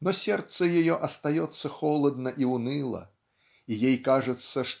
но сердце ее остается холодно и уныло и ей кажется